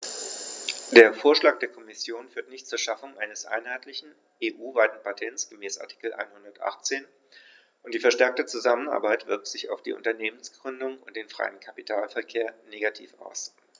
Der Vorschlag der Kommission führt nicht zur Schaffung eines einheitlichen, EU-weiten Patents gemäß Artikel 118, und die verstärkte Zusammenarbeit wirkt sich auf die Unternehmensgründung und den freien Kapitalverkehr negativ aus.